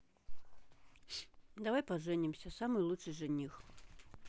давай поженимся самый лучший жених